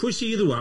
Pwy sydd ŵan?